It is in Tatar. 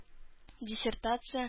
Диссертация